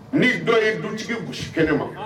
Ni dɔ ye dutigi gosi kɛnɛ ma